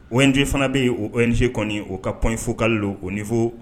O ine fana bɛ yen o o ine kɔni o ka panfka don o nifɔ